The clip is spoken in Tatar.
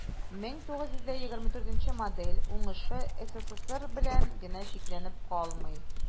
124 нче модель уңышы ссср белән генә чикләнеп калмый.